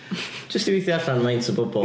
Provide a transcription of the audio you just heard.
Jyst i weithio allan faint o bobl...